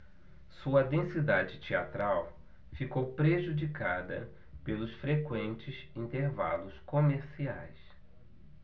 sua densidade teatral ficou prejudicada pelos frequentes intervalos comerciais